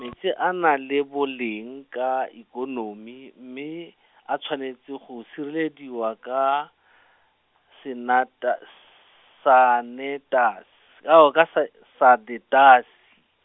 metsi a na le boleng ka ikonomi mme, a tshwanetse go sirelediwa ka , senatas- sanetas-, oh ka sa- sanetasi.